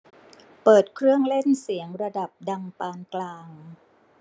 เปิดเครื่องเล่นเสียงระดับดังปานกลาง